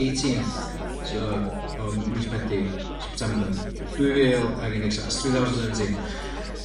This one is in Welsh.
Eighteenth so o mis Medi, September dwy fil ag undeg sai- that's two thousand seventeen.